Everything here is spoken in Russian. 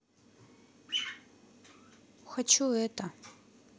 хочу это